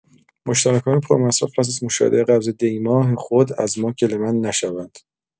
مشترکان پرمصرف پس‌از مشاهده قبض دی‌ماه خود، از ما گله‌مند نشوند.